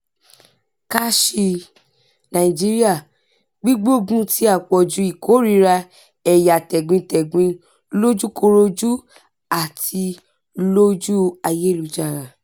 Kà sí i: Nàìjíríà: Gbígbógun ti àpọ̀jù ìkórìíra ẹ̀yà tẹ̀gbintẹ̀gbin — lójúkorojú àti lórí ayélujára